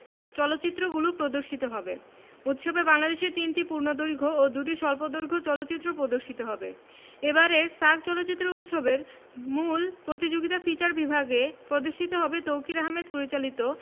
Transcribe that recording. চলচ্চিত্রগুলো প্রদর্শিত হবে উৎসবে বাংলাদেশের ৩টি পূর্ণদৈর্ঘ্য ও ২টি স্বল্পদৈর্ঘ্য চলচ্চিত্র প্রদর্শিত হবে এবারের সার্ক চলচ্চিত্র উৎসবের মূল প্রতিযোগিতা ফিচার বিভাগে প্রদর্শিত হবে তৌকীর আহমেদ পরিচালিত